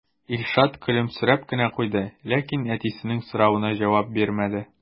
Илшат көлемсерәп кенә куйды, ләкин әтисенең соравына җавап бирмәде.